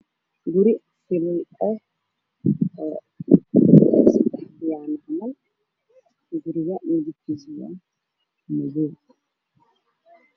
Dabaq weyn oo saddex bayaana ah iyo guri kale oo midabkiisu yahay madow